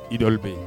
Idɔnli bɛ yen